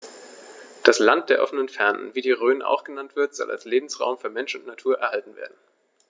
Das „Land der offenen Fernen“, wie die Rhön auch genannt wird, soll als Lebensraum für Mensch und Natur erhalten werden.